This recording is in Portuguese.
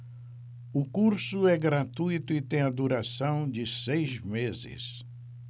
o curso é gratuito e tem a duração de seis meses